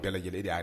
Bɛɛ lajɛlen y'a